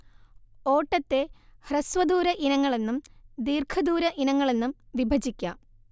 ഓട്ടത്തെ ഹ്രസ്വ ദൂര ഇനങ്ങളെന്നും ദീർഘദൂര ഇനങ്ങളെന്നും വിഭജിക്കാം